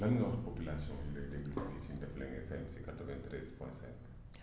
lan nga wax population yi lay déglu fii si Ndefleng FM si 93 point 5